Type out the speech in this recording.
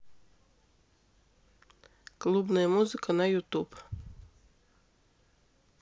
клубная музыка на ютуб